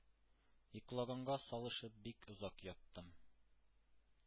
Йоклаганга салышып бик озак яттым.